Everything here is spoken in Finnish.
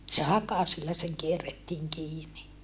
että se hakasilla sitten kierrettiin kiinni